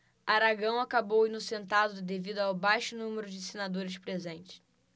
aragão acabou inocentado devido ao baixo número de senadores presentes